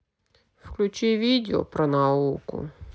включи видео про науку